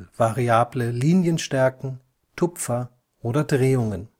variable Linienstärken, Tupfer, Drehungen